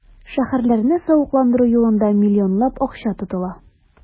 Шәһәрләрне савыкландыру юлында миллионлап акча тотыла.